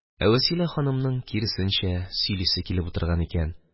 Ә Вәсилә ханымның, киресенчә, сөйлисе килеп утырган икән.